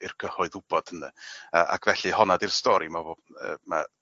i'r cyhoedd wbod ynde? Yy ac felly honno 'di'r stori ma' w- yy ma'